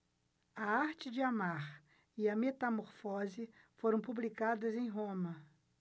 a arte de amar e a metamorfose foram publicadas em roma